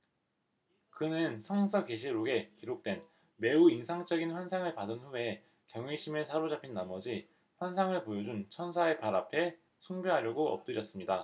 그는 성서 계시록에 기록된 매우 인상적인 환상을 받은 후에 경외심에 사로잡힌 나머지 환상을 보여 준 천사의 발 앞에 숭배하려고 엎드렸습니다